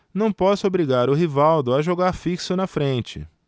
não posso obrigar o rivaldo a jogar fixo na frente